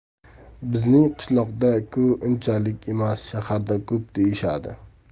bizning qishloqda ku unchalik emas shaharda ko'p deyishadi